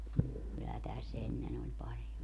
kyllä tässä ennen oli paljon